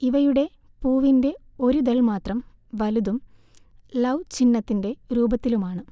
ഇവയുടെ പൂവിന്റെ ഒരിതൾമാത്രം വലുതും ലൗ ചിഹ്നത്തിന്റെ രൂപത്തിലുമാണ്